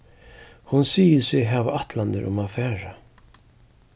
hon sigur seg hava ætlanir um at fara